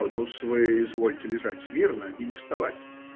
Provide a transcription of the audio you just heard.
- Ну-с, вы извольте лежать смирно и не вставать.